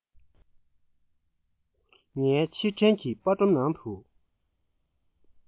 ངའི ཕྱིར དྲན གྱི པར སྒྲོམ ནང དུ